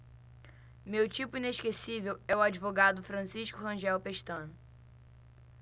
meu tipo inesquecível é o advogado francisco rangel pestana